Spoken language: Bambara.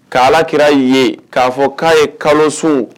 Ka Ala kira ye ka fɔ ka ye kalo sun?